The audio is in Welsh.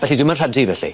Felly dwi'm yn rhydu felly.